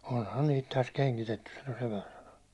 onhan niitä tässä kengitetty sanoi sepän sanoneen